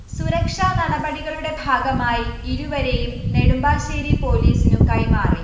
സുരക്ഷാ നടപടികളുടെ ഭാഗമായി ഇരുവരെയും നെടുമ്പാശേരി പോലീസിനുകൈമാറി